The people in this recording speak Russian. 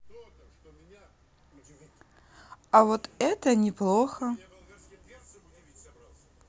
а вот это неплохо